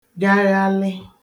gaghalị